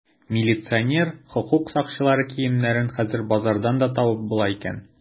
Милиционер, хокук сакчылары киемнәрен хәзер базардан да табып була икән.